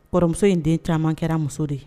Kɔrɔmuso in den caman kɛra muso de ye